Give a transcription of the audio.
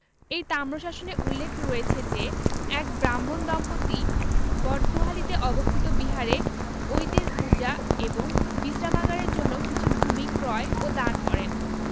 এই তাম্রশাসনে উল্লেখ রয়েছে যে এক ব্রাহ্মণ দম্পতি বটগোহালীতে অবস্থিত বিহারে অইতের পূজা এবং বিশ্রামাগারের জন্য কিছু ভূমি ক্রয় ও দান করেন